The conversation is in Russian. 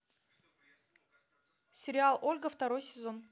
сериал ольга второй сезон